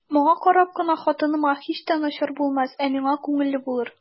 Моңа карап кына хатыныма һич тә начар булмас, ә миңа күңелле булыр.